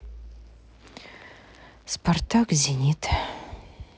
спартак зенит